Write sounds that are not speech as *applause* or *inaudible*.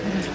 *hesitation* *hesitation*